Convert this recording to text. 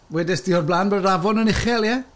Wedes di o'r blaen bod yr afon yn uchel, ie?